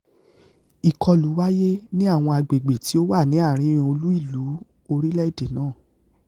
Ìkọlù wáyé ní àwọn agbègbè tí ó wà ní àárín olú ìlú orílẹ̀-èdè náà.